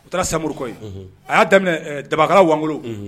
U taara samurukɔ ye a y'a daminɛ dabara wgolo